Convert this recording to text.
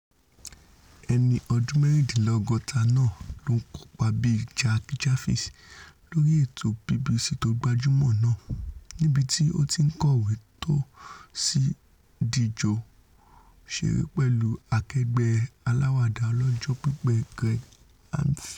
Ẹni ọdún mẹ́rìndínlọ́gọ́ta náà ló ńkópa bíi Jack Jarvis lórí ètò BBC tó gbajúmọ̀ náà, níbití ó ti ńkọ̀wé tó sì ńdìjọ ṣeré pẹ̀lú akẹgbẹ́ aláàwàdà ọlọ́jọ́-pípẹ́ Greg Hemphill.